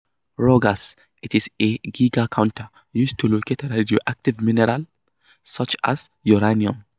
Rogers: "It's a Geiger Counter, used to locate radioactive minerals, such as uranium.